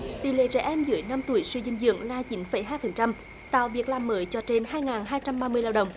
tỷ lệ trẻ em dưới năm tuổi suy dinh dưỡng là chín phẩy hai phần trăm tạo việc làm mới cho trên hai ngàn hai trăm ba mươi lao động